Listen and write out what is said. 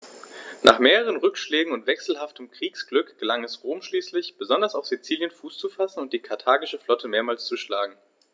Nach mehreren Rückschlägen und wechselhaftem Kriegsglück gelang es Rom schließlich, besonders auf Sizilien Fuß zu fassen und die karthagische Flotte mehrmals zu schlagen.